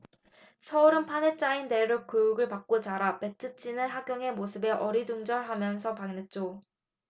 서율은 판에 짜인 대로 교육을 받고 자라 배트 치는 하경의 모습에 어리둥절 하면서 반했죠